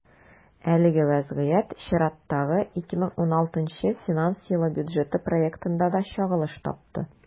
Әлеге вазгыять чираттагы, 2016 финанс елы бюджеты проектында да чагылыш тапты.